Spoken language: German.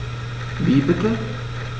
Wie bitte?